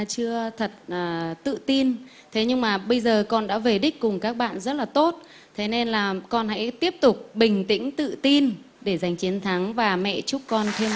chưa thật là tự tin thế nhưng mà bây giờ con đã về đích cùng các bạn rất là tốt thế nên là con hãy tiếp tục bình tĩnh tự tin để giành chiến thắng và mẹ chúc con thêm